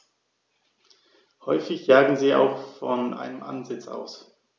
Häufig jagen sie auch von einem Ansitz aus.